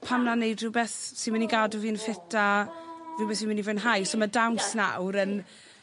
pam na neud rhwbeth sy myn' i gadw fi'n ffit a rwbeth sy myn' i fwynhau. So ma' dawns nawr yn